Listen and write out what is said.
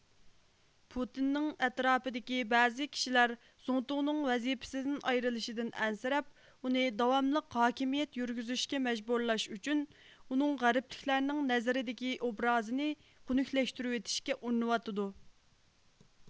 پۇتىننىڭ ئەتراپىدىكى بەزى كىشىلەر زۇڭتۇڭنىڭ ۋەزىپىسىدىن ئايرىلىشىدىن ئەنسىرەپ ئۇنى داۋاملىق ھاكىمىيەت يۈرگۈزۈشكە مەجبۇرلاش ئۈچۈن ئۇنىڭ غەربلىكلەرنىڭ نەزىرىدىكى ئوبرازىنى خۈنۈكلەشتۈرۈۋېتىشكە ئۇرۇنۇۋاتىدۇ